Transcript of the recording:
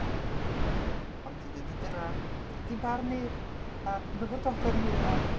Yym ia. Ond d- d- dyna di'n barn ni a'n myfyrdodau ni ar...